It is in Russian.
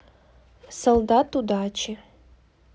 солдат удачи